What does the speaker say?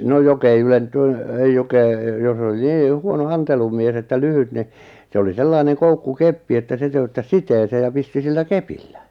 no joka ei - ei joka ei jos oli niin huono antelumies että lyhyt niin se oli sellainen koukkukeppi että se töyttäsi siteeseen ja pisti sillä kepillä